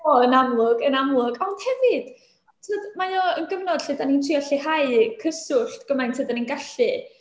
O, yn amlwg, yn amlwg. Ond hefyd, tmod, mae o yn gyfnod lle dan ni'n trio lleihau cyswllt gymaint â dan ni'n gallu.